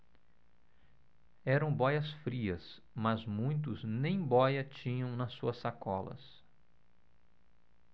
eram bóias-frias mas muitos nem bóia tinham nas suas sacolas